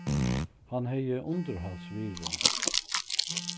hann hevði undirhaldsvirði